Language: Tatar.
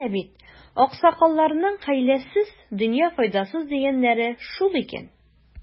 Менә бит, аксакалларның, хәйләсез — дөнья файдасыз, дигәннәре шул икән.